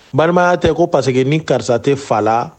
Balimaya tɛ ko paseke ni karisa tɛ fa la